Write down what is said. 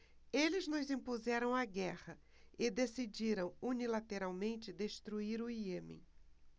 eles nos impuseram a guerra e decidiram unilateralmente destruir o iêmen